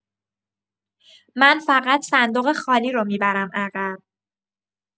من فقط صندوق خالی رو می‌برم عقب.